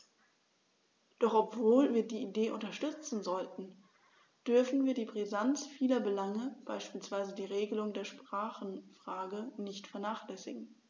Doch obwohl wir die Idee unterstützen sollten, dürfen wir die Brisanz vieler Belange, beispielsweise die Regelung der Sprachenfrage, nicht vernachlässigen.